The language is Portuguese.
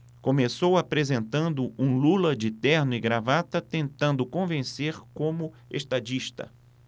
começou apresentando um lula de terno e gravata tentando convencer como estadista